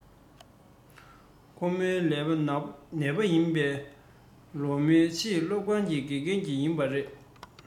ཁོ མོའི ལག པ ནད པ ཡིན པས ཁོ མོ བྱིས སྐྱོང ཁང ཞིག གི དགེ རྒན ཡིན པ རེད